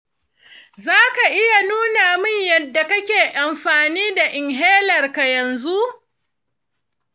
za ka iya nuna min yadda kake amfani da inhaler ɗinka yanzu?